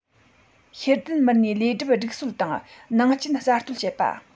ཤེས ལྡན མི སྣའི ལས སྒྲུབ སྒྲིག སྲོལ དང ནང རྐྱེན གསར གཏོད བྱེད པ